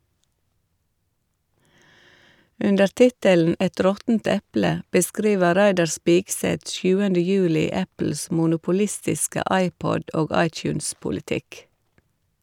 Under tittelen "Et råttent eple" beskriver Reidar Spigseth 7. juli Apples monopolistiske iPod- og iTunes-politikk.